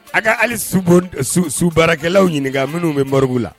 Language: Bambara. A ka hali su bor, su baarakɛlaw ɲininka minnu be mɔrigu la.